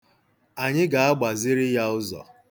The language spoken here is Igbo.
Anyị ga-agbaziri ya ụzọ.